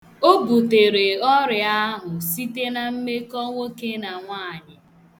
O butere ọrịa ahụ site na mmekọ nwoke na nwaanyị.